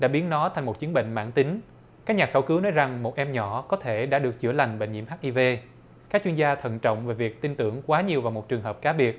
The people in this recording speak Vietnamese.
đã biến nó thành một chứng bệnh mãn tính các nhà khảo cứu nói rằng một em nhỏ có thể đã được chữa lành bệnh nhiễm hát i vê các chuyên gia thận trọng về việc tin tưởng quá nhiều vào một trường hợp cá biệt